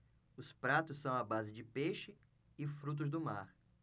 os pratos são à base de peixe e frutos do mar